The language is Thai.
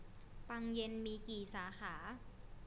ปังเย็นมีกี่สาขา